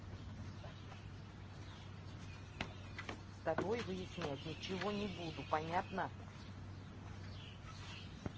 с тобой выяснять ничего не буду понятно